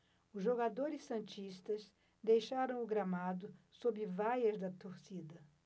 os jogadores santistas deixaram o gramado sob vaias da torcida